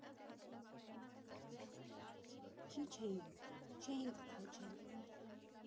Քիչ էինք, չէինք քոչել։